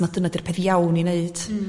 achos na dyna 'di'r peth iawn i neud